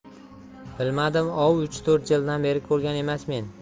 bilmadim ov uch to'rt jildan beri ko'rgan emasmen